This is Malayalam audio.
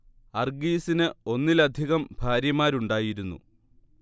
അർഗീസിന് ഒന്നിലധികം ഭാര്യമാരുണ്ടായിരുന്നു